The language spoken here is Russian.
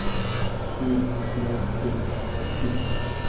фильм смертельная битва